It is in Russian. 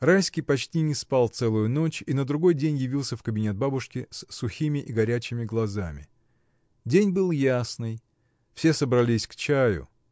Райский почти не спал целую ночь и на другой день явился в кабинет бабушки с сухими и горячими глазами. День был ясный. Все собрались к чаю.